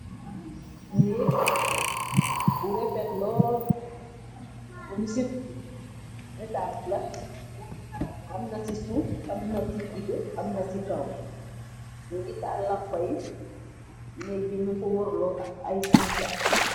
Nék bu refet lool ñing ci guddi ètas la amna ci suuf am na ci diga amna ci kaw ñu ngi tàlah lampa yi. Nék bi ñu ko war lo ak ay sansan.